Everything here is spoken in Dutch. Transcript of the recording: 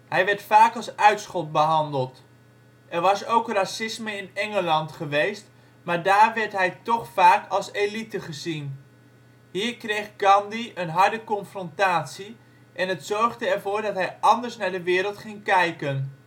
Hij werd vaak als uitschot behandeld. Er was ook racisme in Engeland geweest, maar daar werd hij toch vaak als elite gezien. Hier kreeg Gandhi een harde confrontatie en het zorgde ervoor dat hij anders naar de wereld ging kijken